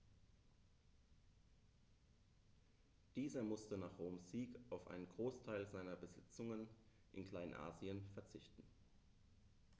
Dieser musste nach Roms Sieg auf einen Großteil seiner Besitzungen in Kleinasien verzichten.